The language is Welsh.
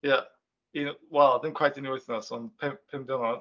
Ia un... wel ddim cweit yn un wythnos ond pu- pum diwrnod.